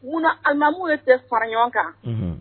Amu ye tɛ fara ɲɔgɔn kan